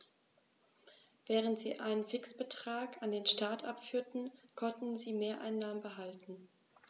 Während sie einen Fixbetrag an den Staat abführten, konnten sie Mehreinnahmen behalten.